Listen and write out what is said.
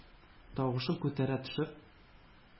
Тавышын күтәрә төшеп: